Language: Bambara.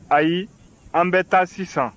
ayi an bɛ taa sisan